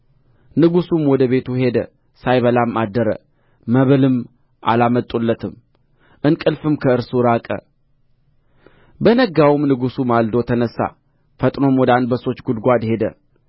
ንጉሡም ወደ ቤቱ ሄደ ሳይበላም አደረ መብልም አላመጡለትም እንቅልፉም ከእርሱ ራቀ በነጋውም ንጉሡ ማልዶ ተነሣ ፈጥኖም ወደ አንበሶች ጕድጓድ ሄደ